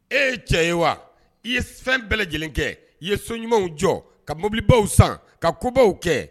E ye cɛ ye wa i ye fɛn bɛɛ lajɛlen kɛ i ye so ɲumanw jɔ ka mobilibaw san ka kobaww kɛ